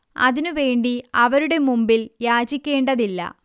അതിനു വേണ്ടി അവരുടെ മുമ്പിൽ യാചിക്കേണ്ടതില്ല